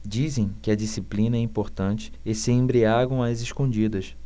dizem que a disciplina é importante e se embriagam às escondidas